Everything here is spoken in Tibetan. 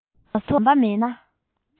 གཡུ ཐོག ཟམ པ མེད ན